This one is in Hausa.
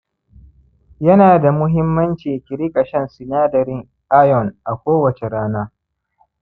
yana da muhimmanci ki riƙa shan sinadarin iron a kowace rana.